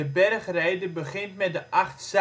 Bergrede begint met de acht zaligsprekingen